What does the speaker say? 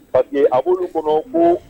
Paseke a ko olu kɔnɔ ko